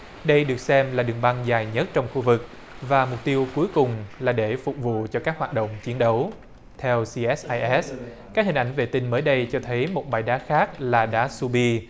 đây được xem là đường băng dài nhất trong khu vực và mục tiêu cuối cùng là để phục vụ cho các hoạt động chiến đấu theo ci ét ai ét các hình ảnh vệ tinh mới đây cho thấy một bãi đá khác là đá su bi